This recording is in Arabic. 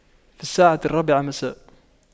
في الساعة الرابعة مساء